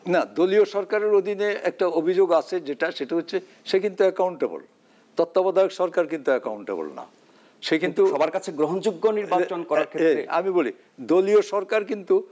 না দলীয় সরকারের অধীনে একটা অভিযোগ আছে যেটা সেটা হচ্ছে সে কিন্তু একাউন্টেবল তত্ত্বাবধায়ক সরকার কিন্তু একাউন্টেবল না সে কিন্তু সবার কাছে গ্রহণযোগ্য নির্বাচন করার ক্ষেত্রে আমি বলি দলীয় সরকার কিন্তু